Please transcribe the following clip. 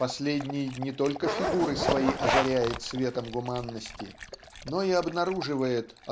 Последний не только фигуры свои озаряет светом гуманности но и обнаруживает